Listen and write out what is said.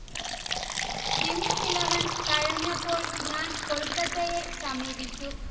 Kings Eleven തഴഞ്ഞപ്പോൾ ഞാൻ കൊൽക്കത്തയെ സമീപിച്ചു